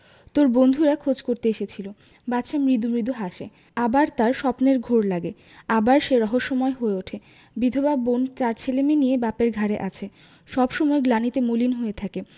তোর বন্ধুরা খোঁজ করতে এসেছিলো বাদশা মৃদু মৃদু হাসে আবার তার স্বপ্নের ঘোর লাগে আবার সে রহস্যময় হয়ে উঠে বিধবা বোন চার ছেলেমেয়ে নিয়ে বাপের ঘাড়ে আছে সব সময় গ্লানিতে মলিন হয়ে থাকে